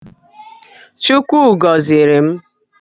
Chukwu gọziri m.